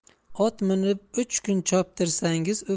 ot minib uch kun choptirsangiz